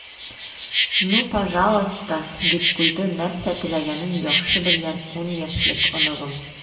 "ну пожалуйста," - дип куйды нәрсә теләгәнен яхшы белгән ун яшьлек оныгым.